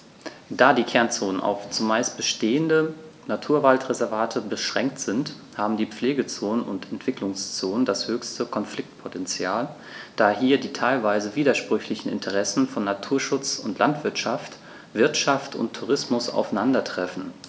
Da die Kernzonen auf – zumeist bestehende – Naturwaldreservate beschränkt sind, haben die Pflegezonen und Entwicklungszonen das höchste Konfliktpotential, da hier die teilweise widersprüchlichen Interessen von Naturschutz und Landwirtschaft, Wirtschaft und Tourismus aufeinandertreffen.